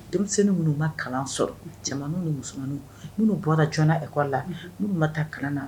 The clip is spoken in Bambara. Denmisɛnnin minnu ka kalan sɔrɔ cɛman ni musoman minnu bɔra jɔnna ekɔ la minnu bɛ taa kalan na